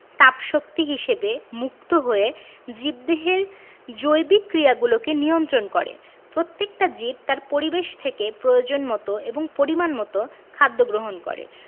তাপ শক্তি হিসেবে মুক্ত হয়ে জীবদেহের জৈবিক ক্রিয়াগুলোকে নিয়ন্ত্রন করে প্রত্যেকটা জীব তার পরিবেশ থেকে প্রয়োজনমতো এবং পরিমাণমতো খাদ্য গ্রহণ করে